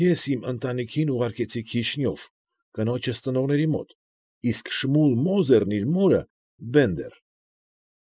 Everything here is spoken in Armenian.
Ես իմ ընտանիքին ուղարկեցի Քիշնև՝ կնոջս ծնողների մոտ, իսկ Շմուլ Մոզերն իր մորը՝ Բենդեր։